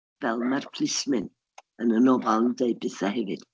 Fel mae'r plismyn yn y nofel yn deud petha hefyd.